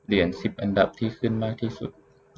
เหรียญสิบอันดับที่ขึ้นมากที่สุด